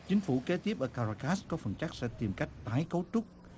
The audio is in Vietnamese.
chính phủ kế tiếp ở cơ ra cát có phần chắc sẽ tìm cách tái cấu trúc